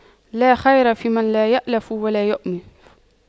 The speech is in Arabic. لا خير فيمن لا يَأْلَفُ ولا يؤلف